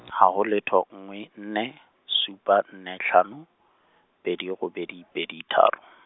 haho letho nngwe nne, supa nne hlano, pedi robedi pedi tharo.